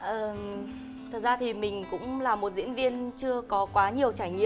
ờm thật ra thì mình cũng là một diễn viên chưa có quá nhiều trải nghiệm